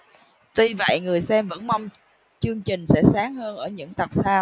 tuy vậy người xem vẫn mong chương trình sẽ sáng hơn ở những tập sau